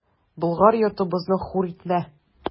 Болгар йортыбызны хур итмә!